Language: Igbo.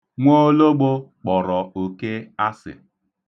Nwoologbo kpọrọ oke asị.